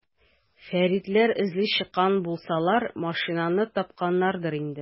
Фәритләр эзли чыккан булсалар, машинаны тапканнардыр инде.